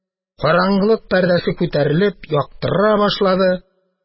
Караңгылык пәрдәсе күтәрелеп, яктыра башлады.